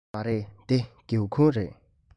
མ རེད འདི སྒེའུ ཁུང རེད